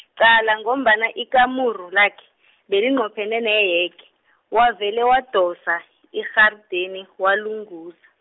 qala ngombana ikamero lakhe , belinqophene neyege, wavele wadosa, irharideni, walunguza.